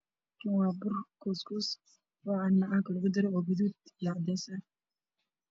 Waa tufaax midabkiisu yahay daallo oo ku jira kartoon oo fara badan